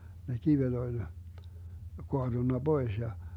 ne kivet oli kaatunut pois ja